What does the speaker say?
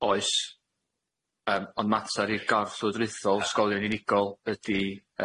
Oes yym ond matar gorff llywodraethol ysgolion unigol ydi